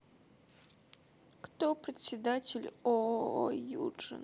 кто председатель ооо юджин